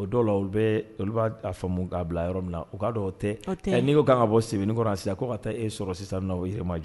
O dɔw la olu bɛɛ olu b'a t a faamu k'a bila yɔrɔ minna u ka dɔn o tɛ o tɛ ɛ n'i ko k'an ka bɔ Sebenikoro yan sisan ko ka taa e sɔrɔ sisannɔ Yirimajɔ